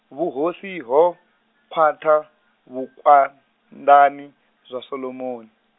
vhuhosi ho khwaṱha vhu khwanḓani zwa Solomoni.